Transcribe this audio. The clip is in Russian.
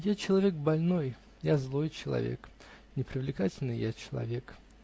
Я человек больной. Я злой человек. Непривлекательный я человек.